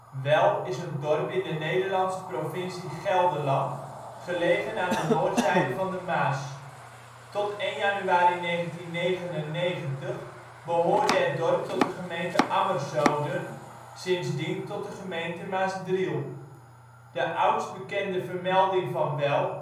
Well is een dorp in de Nederlandse provincie Gelderland, gelegen aan de noordzijde van de Maas. Tot 1 januari 1999 behoorde het dorp tot de gemeente Ammerzoden, sindsdien tot de gemeente Maasdriel. Well (rechts) aan de Maas De oudst bekende vermelding van Well